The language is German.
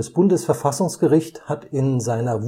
Bundesverfassungsgericht hat in seiner